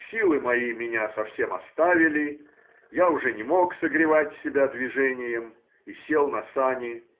Силы мои меня совсем оставили,— я уже не мог согревать себя движением и сел на сани.